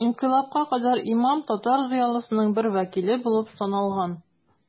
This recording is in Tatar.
Инкыйлабка кадәр имам татар зыялысының бер вәкиле булып саналган.